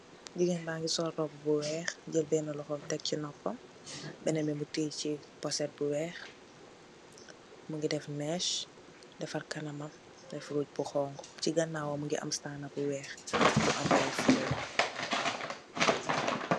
Jigeen baa ngi sol robbu bu weex, jël been laxom bi enu ko, benen bi mu tiye si posset bu weex, mu ngi def mees, defar kanamam, def will bu xonxu, si ganaawam mu ngi am istaanaw bu weex, bu am ay fuloor.